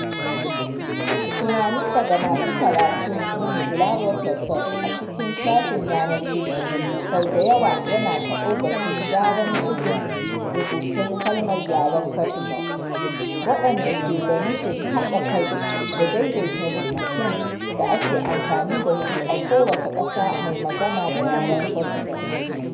Tunani daga masu karatu na Milagrário Pessoal a cikin shafin yanar gizo, sau da yawa yana taɓo batun gyaran zubin rubutun kalmar yaren Fotugal, wanda ke da nufin haɗa kai da daidaita rubutun da ake amfani da su a kowace ƙasa mai magana da Yaren Fotugal.